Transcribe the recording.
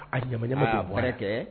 A ɲamajɛma kaaɔr kɛ